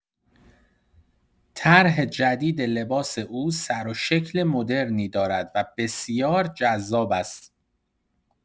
طرح جدید لباس او سروشکل مدرنی دارد و بسیار جذاب است.